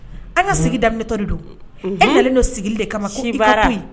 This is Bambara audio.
An ka sigidatɔli don an dalen don sigi de kama sinba